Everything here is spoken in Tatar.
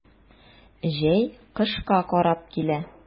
Җәй кышка карап килә.